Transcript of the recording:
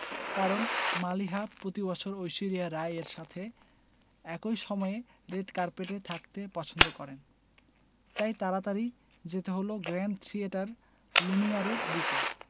কারণ মালিহা প্রতিবছর ঐশ্বরিয়া রাই এর সাথে একই সময়ে রেড কার্পেটে থাকতে পছন্দ করেন তাই তাড়াতাড়ি যেতে হলো গ্র্যান্ড থিয়েটার লুমিয়ারের দিকে